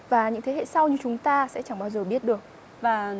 và những thế hệ sau như chúng ta sẽ chẳng bao giờ biết được và